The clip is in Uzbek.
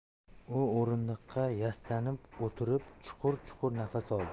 u o'rindiqqa yastanib o'tirib chuqur chuqur nafas oldi